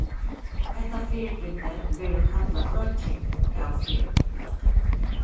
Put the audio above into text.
hetta fyribrigdið verður kallað øking av ferð